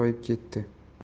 oyog'i toyib ketdi